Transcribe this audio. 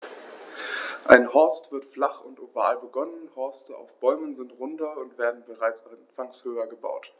Ein Horst wird flach und oval begonnen, Horste auf Bäumen sind runder und werden bereits anfangs höher gebaut.